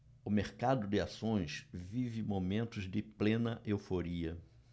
o mercado de ações vive momentos de plena euforia